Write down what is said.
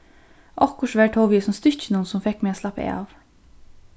okkurt var tó við hesum stykkinum sum fekk meg at slappa av